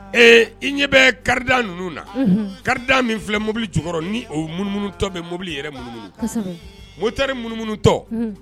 Ee i ɲɛ bɛ kari ninnu na kari min filɛ mobili jɔkɔrɔ ni o munummunu tɔ bɛ mobili yɛrɛ mun motari munumm tɔ